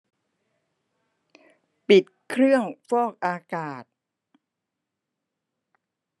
ปิดเครื่องฟอกอากาศ